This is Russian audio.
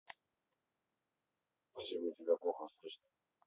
почему тебя плохо слышно